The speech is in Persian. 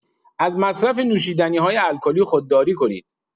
از مصرف نوشیدنی‌های الکلی خودداری کنید.